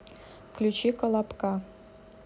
включи колобка